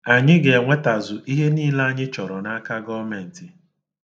Anyị ga-enwetazu ihe niile anyi chọrọ n'aka gọọmentị